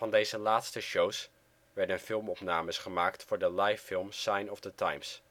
deze laatste shows werden filmopnames gemaakt voor de livefilm Sign “☮” the Times